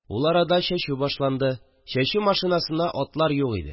Ул арада чәчү башланды Чәчү машинасына атлар юк иде